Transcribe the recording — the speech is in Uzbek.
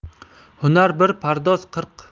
hunar bir pardoz qirq